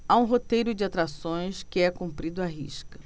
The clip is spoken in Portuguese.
há um roteiro de atrações que é cumprido à risca